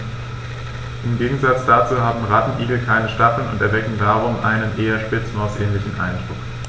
Im Gegensatz dazu haben Rattenigel keine Stacheln und erwecken darum einen eher Spitzmaus-ähnlichen Eindruck.